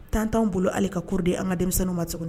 Tantan'an bolo' ka koro de ye an ka denmisɛnninw ma so